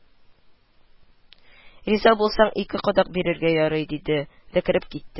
Риза булсаң, ике кадак бирергә ярый, – диде дә кереп китте